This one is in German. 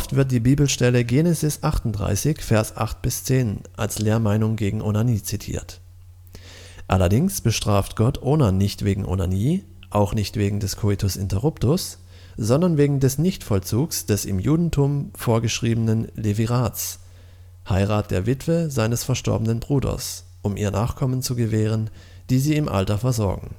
wird die Bibelstelle Gen 38,8-10 LUT als Lehrmeinung gegen Onanie zitiert. Allerdings bestraft Gott Onan nicht wegen Onanie, auch nicht wegen des Coitus interruptus, sondern wegen des Nichtvollzugs des im Judentum vorgeschriebenen Levirats (Heirat der Witwe seines verstorbenen Bruders, um ihr Nachkommen zu gewähren, die sie im Alter versorgen